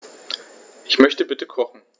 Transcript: Ich möchte bitte kochen.